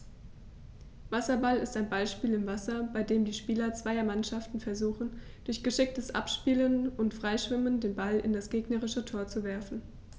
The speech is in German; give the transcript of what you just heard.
Wasserball ist ein Ballspiel im Wasser, bei dem die Spieler zweier Mannschaften versuchen, durch geschicktes Abspielen und Freischwimmen den Ball in das gegnerische Tor zu werfen.